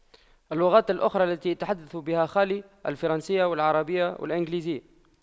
اللغات الأخرى التي يتحدث بها خالي الفرنسية والعربية والانجليزية